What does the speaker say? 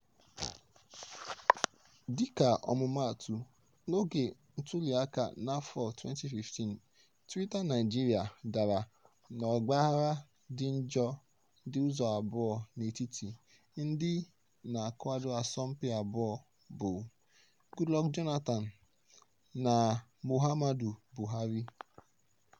Dịka ọmụmaatụ, n'oge ntuliaka n'afọ 2015, Twitter Naịjirịa dara n'ọgbaaghara dị njọ dị ụzọ abụọ n'etiti ndị na-akwado ndị asọmpi abụọ bụ, Goodluck Jonathan (PDP, onye okpukperechi Kraịst na onye Ijaw) na Muhammadu Buhari (APC, onye Hausa, onye Alakụba Fulani).